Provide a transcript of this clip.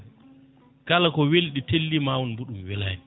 kala ko weeliɗi telli ma woon ɗum weelani